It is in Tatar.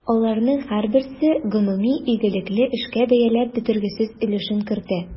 Аларның һәрберсе гомуми игелекле эшкә бәяләп бетергесез өлешен кертә.